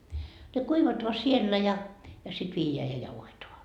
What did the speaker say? ne kuivataan siellä ja ja sitten viedään ja jauhetaan